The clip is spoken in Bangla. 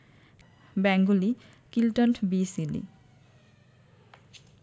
ব্যাঙ্গলি কিল্টন্ট বি সিলি